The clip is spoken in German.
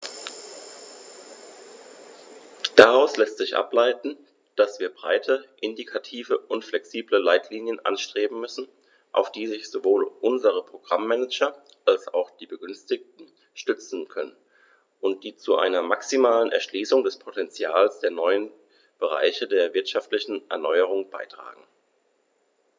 Daraus lässt sich ableiten, dass wir breite, indikative und flexible Leitlinien anstreben müssen, auf die sich sowohl unsere Programm-Manager als auch die Begünstigten stützen können und die zu einer maximalen Erschließung des Potentials der neuen Bereiche der wirtschaftlichen Erneuerung beitragen.